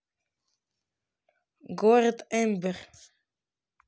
город эмбер